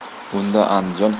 unda andijon ham